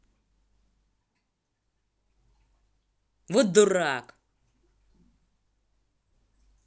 вот дурак